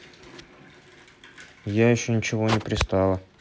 я еще ничего не пристала